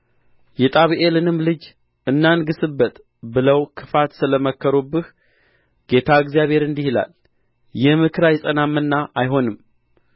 የጣብኤልንም ልጅ እናንግሥበት ብለው ክፋት ስለ መከሩብህ ጌታ እግዚአብሔር እንዲህ ይላል ይህ ምክር አይጸናምና አይሆንም